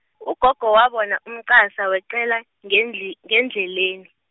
ugogo wabona umqasa weqela, ngendli- ngendleleni.